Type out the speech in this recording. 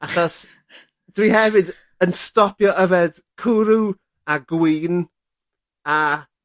achos dwi hefyd yn stopio yfed cwrw a gwin. A